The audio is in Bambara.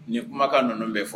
Nin kumakan ninnu bɛ fɔ